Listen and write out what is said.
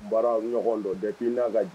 Baara ɲɔgɔn dɔ dɛ k'i n'a ka jɛ